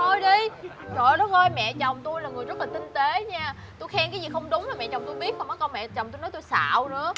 thôi đi trời đất ơi mẹ chồng tui là người rất là tinh tế nha tui khen cái gì không đúng mà mẹ chồng tui biết mất công mẹ chồng tôi nói tôi xạo nữa